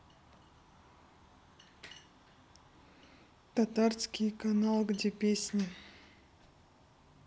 татарский канал где песни